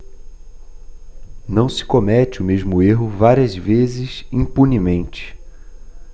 não se comete o mesmo erro várias vezes impunemente